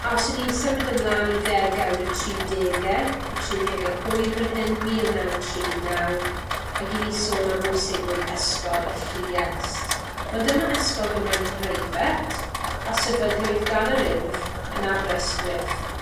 A os 'yn ni'n symud ymlan i ddegawd y tri dege, y tri dege hwyr fyn hyn, mil naw tri naw ag 'yn ni sôn am bwysigrwydd ysgol y Lluest wel dyma ysgol Gymraeg breifet a sefydlwyd gan yr Urdd yn Aberystwyth